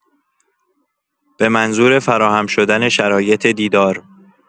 به منظور فراهم شدن شرایط دیدار